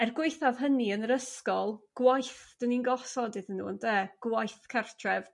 er gwaethaf hynny yn yr ysgol gwaith 'dyn ni'n gosod iddyn nhw ynde? Gwaith cartref.